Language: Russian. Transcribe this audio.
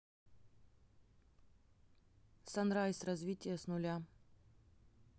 sunrise развитие с нуля